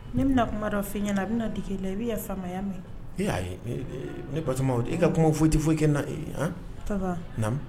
Ne bɛna kuma dɔn fɛn ɲɛna a bɛna na d' e la i bɛ yafa faamaya mɛn ee netoma e ka kungo foyi tɛ foyi kɛ na